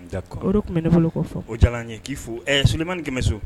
D'accord o de kun bɛ ne bolo k'o fɔ o diyala n ye k'i fo ɛɛ Souleymane Kɛmɛso